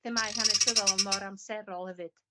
themâu hanesyddol a mor amserol hefyd